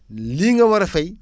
lii nga war a fay